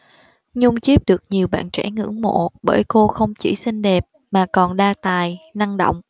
nhung chit được nhiều bạn trẻ ngưỡng mộ bởi cô không chỉ xinh đẹp mà còn đa tài năng động